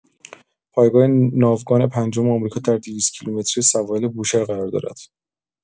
پایگاه ناوگان پنجم آمریکا در ۲۰۰ کیلومتری سواحل بوشهر قرار دارد.